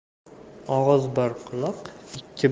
og'iz bir quloq ikki